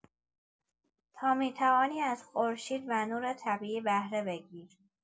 تا می‌توانی از خورشید و نور طبیعی بهره بگیر.